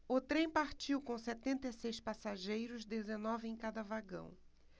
o trem partiu com setenta e seis passageiros dezenove em cada vagão